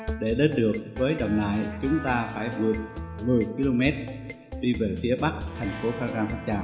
để đến được đầm nại chung ta phải vượt km và tiến về phía bắc thành phố phan rang tháp chàm